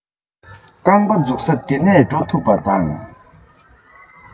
རྐང པ འཛུགས ས འདི ནས འགྲོ ཐུབ པ དང